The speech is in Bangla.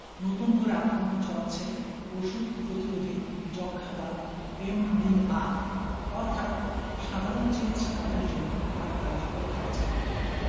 নতুন করে আতঙ্ক ছড়াচ্ছে ওষুধ প্রতিরোধী যক্ষ্মা বা এমডিআর অর্থাৎ সাধারণ চিকিৎসা তাদের জন্য আর কার্যকর থাকছেনা